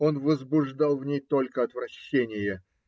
Он возбуждал в ней только отвращение.